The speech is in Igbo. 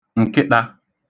ǹkịṭā